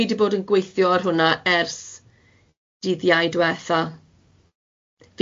Fi di bod yn gweithio ar hwnna ers dydd Iau dwetha.